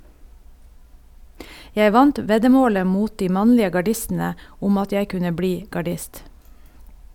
Jeg vant veddemålet mot de mannlige gardistene om at jeg kunne bli gardist.